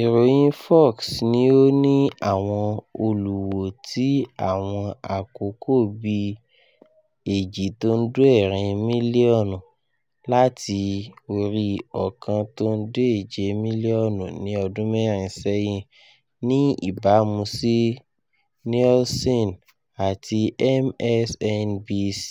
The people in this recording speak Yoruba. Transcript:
Iroyin Fox ni o ni awọn oluwo ti awọn akoko bi 2.4 milionu, lati ori 1.7 milionu ni ọdun mẹrin sẹyin, ni ibamu si Nielsen, ati MSNBC